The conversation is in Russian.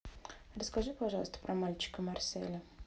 расскажи пожалуйста про мальчика марселя